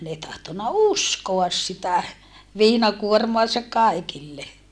ne ei tahtonut uskoa sitä viinakuormaansa kaikille